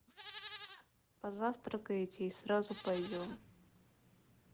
позавтракаете и сразу пойдем